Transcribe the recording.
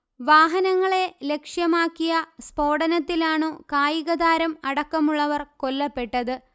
വാഹനങ്ങളെ ലക്ഷ്യമാക്കിയ സ്ഫോടനത്തിലാണു കായികതാരം അടക്കമുള്ളവർ കൊല്ലപ്പെട്ടത്